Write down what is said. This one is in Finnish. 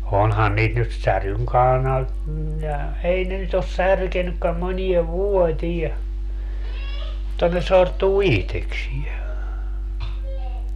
onhan niitä nyt säryn - ja ei ne nyt ole särkenytkään moneen vuoteen mutta ne sortuu itsekseen